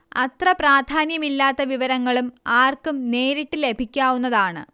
അത്ര പ്രാധാന്യമില്ലാത്ത വിവരങ്ങളും ആർക്കും നേരിട്ട് ലഭിക്കാവുന്നതാണ്